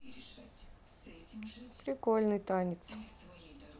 прикольный танец